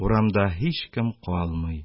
Урамда һичкем калмый.